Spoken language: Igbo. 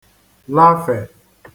-lafè